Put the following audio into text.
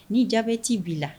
Ni jabɛti b'i la